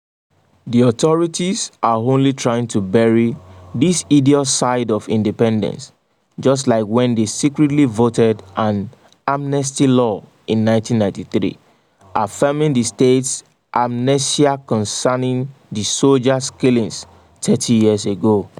The authorities are only trying to bury this hideous side of independence, just like when they secretly voted an amnesty law in 1993 affirming the state's amnesia concerning the soldiers’ killings 30 years ago.